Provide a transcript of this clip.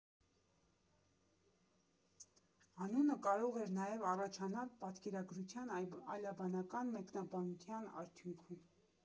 Անունը կարող էր նաև առաջանալ պատկերագրության այլաբանական մեկնաբանության արդյունքում։